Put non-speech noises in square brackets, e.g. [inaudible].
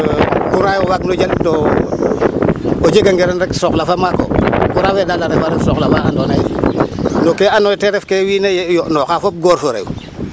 [hesitation] aussi courant yo waag no jalto o jegangiran rek soxla fa maak o courant fe daal a refa soxla fa andoona yee no ke andoona yee ta ref ke wiin we yo'nooxaa fop foor fo rew.